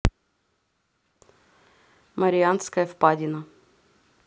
марианская впадина